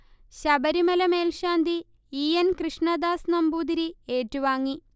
ശബരിമല മേൽശാന്തി E. N. Krishnadas Namboothiri ഏറ്റുവാങ്ങി